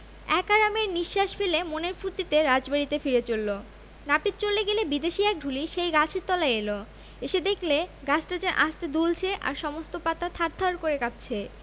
এক আরামের নিঃশ্বাস ফেলে মনের ফুর্তিতে রাজবাড়িতে ফিরে চলল নাপিত চলে গেলে বিদেশী এক ঢুলি সেই গাছের তলায় এল এসে দেখলে গাছটা যে আস্তে দুলছে আর সমস্ত পাতা থারথার করে কাঁপছে